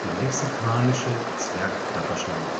Mexikanische Zwergklapperschlange